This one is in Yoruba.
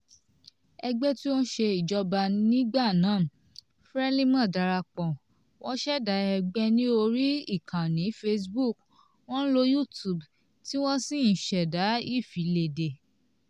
Ẹgbẹ́ tí ó ń ṣe ìjọba nígbà náà Frelimo darapọ̀, wọ́n ṣẹ̀dá ẹgbẹ́ ní orí ìkànnì Facebook, wọ́n ń lo YouTube, tí wọ́n sì ń ṣẹ̀dá ìfiléde.